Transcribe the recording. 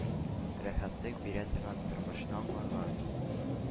Рәхәтлек бирә торган, тормышны аңларга,